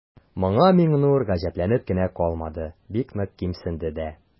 Моңа Миңнур гаҗәпләнеп кенә калмады, бик нык кимсенде дә.